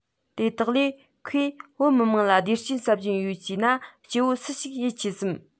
འདི དག ལས ཁོས བོད མི དམངས ལ བདེ སྐྱིད བསམ གྱི ཡོད ཅེ ན སྐྱེ བོ སུ ཞིག ཡིད ཆེས སམ